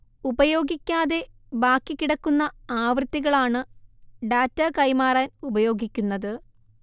ഉപയോഗിക്കാതെ ബാക്കി കിടക്കുന്ന ആവൃത്തികളാണ് ഡാറ്റാ കൈമാറാൻ ഉപയോഗിക്കുന്നത്